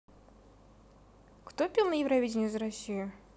кто пел на евровидение за россию